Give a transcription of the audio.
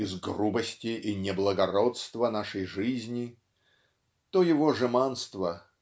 из "грубости и неблагородства нашей жизни" то его жеманство